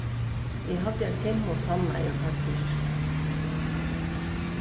eg haldi at kim og sanna eru partísk